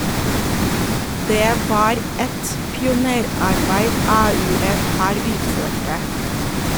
- Det var et pionerarbeid AUF her utførte.